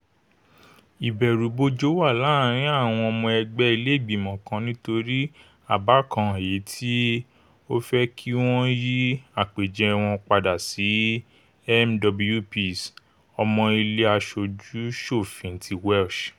Ìbẹ̀rù-bojo wà láàárin àwọn ϙmϙ ẹgbẹ́ ilé ìgbìmọ̀ kan nítorí àbá kan èyití ó fẹ́ kí wọ́n yí àpèjẹ wọn padà sí MWPs (Ọmọ Ilé Aṣojú-ṣòfin ti Welsh)